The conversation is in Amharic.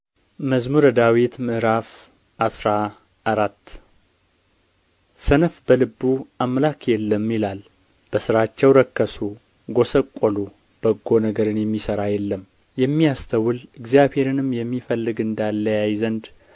መዝሙር ምዕራፍ አስራ አራት ሰነፍ በልቡ አምላክ የለም ይላል በሥራቸው ረከሱ ጐስቈሉ በጎ ነገርን የሚሠራ የለም የሚያስተውል እግዚአብሔርንም የሚፈልግ እንዳለ ያይ ዘንድ